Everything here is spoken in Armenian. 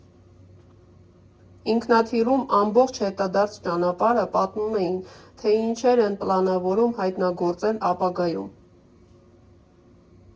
Ինքնաթիռում ամբողջ հետադարձ ճանապարհը պատմում էին, թե ինչեր են պլանավորում հայտնագործել ապագայում»։